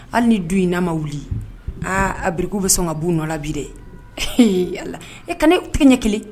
Hali ni du in na ma wuli aa a biriku bɛ sɔn ka' u nɔ la bi dɛ e ka u tigi ɲɛ kelen